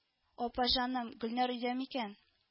- апа, җаным, гөлнар өйдә микән